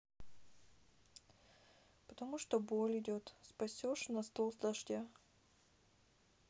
потому что боль идет спасешь на стол дождя